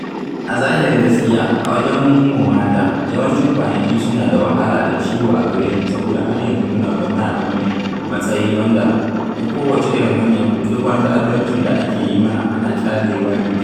A zahirin gaskiya, a wajenmu mata, yawancin kwanaki suna da wahala da ciwo a gare mu saboda har yanzu muna zaune a wani matsayi wanda, ta kowace irin hanya, duk wani ta'addancin da ake yi mana ana ƙyale wa ne kawai.